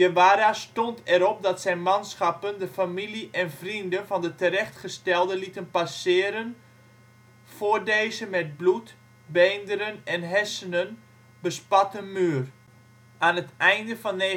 Guevara stond erop dat zijn manschappen de familie en vrienden van de terechtgestelde lieten passeren voor deze met bloed, beenderen en hersenen bespatte muur. Aan het einde van 1958